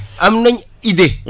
am nañ idée